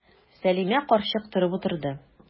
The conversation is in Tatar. Сәлимә карчык торып утырды.